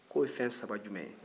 ko o ye fɛn saba jumɛn ye